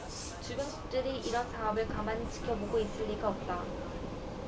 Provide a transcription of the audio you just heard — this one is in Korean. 주변국들이 이런 사업을 가만히 지켜보고 있을 리가 없다